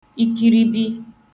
ikiribi